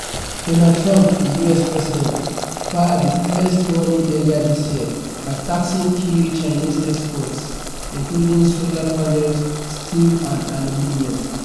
Donald Trump, the US President, fired the first warning earlier this year by taxing key Chinese exports including solar panels, steel and aluminum.